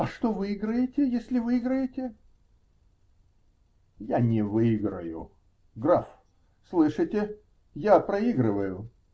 -- А что выиграете, если выиграете? -- Я не выиграю. Граф, слышите? Я проигрываю!